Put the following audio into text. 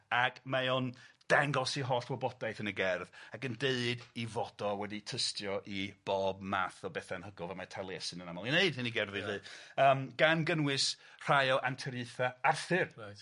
ac mae o'n dangos 'i holl wybodaeth yn y gerdd ac yn deud ei fod o wedi tystio i bob math o bethe anhygoel fel mae Taliesin yn amal yn 'i wneud yn ei gerddi'n deud... Ia. ...yym gan gynnwys rhai o anturiaethau Arthur. Reit.